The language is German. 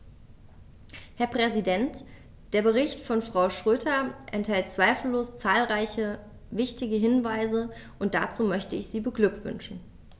Herr Präsident, der Bericht von Frau Schroedter enthält zweifellos zahlreiche wichtige Hinweise, und dazu möchte ich sie beglückwünschen.